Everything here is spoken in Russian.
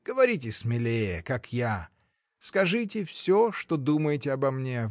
— Говорите смелее — как я: скажите всё, что думаете обо мне.